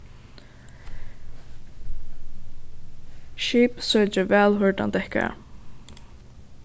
skip søkir væl hýrdan dekkara